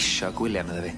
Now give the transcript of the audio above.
d'isio gwylia, medda fi.